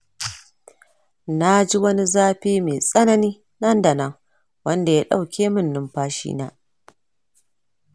naji wani zafi mai tsanani nan da nan wanda ya ɗauke min numfashi na